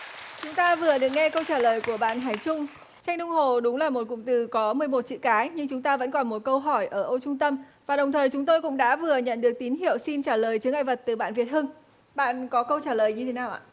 chúng ta vừa được nghe câu trả lời của bạn hải chung tranh đông hồ đúng là một cụm từ có mười một chữ cái nhưng chúng ta vẫn còn một câu hỏi ở ô trung tâm và đồng thời chúng tôi cũng đã vừa nhận được tín hiệu xin trả lời chướng ngại vật từ bạn việt hưng bạn có câu trả lời như thế nào ạ